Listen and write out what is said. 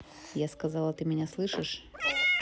я сказала ты меня слышишь